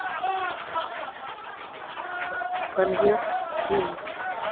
конверт фильм